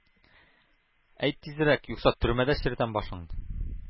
Әйт тизрәк, юкса төрмәдә черетәм башыңны!